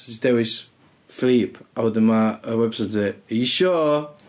So ti dewis Philippe, a wedyn ma' y website yn deud, "are you sure"?